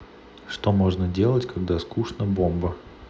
что можно делать когда скучно бомба